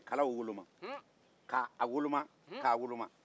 a ye kalaw woloma k'a woloma